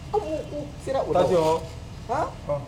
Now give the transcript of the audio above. Sira o lasɔn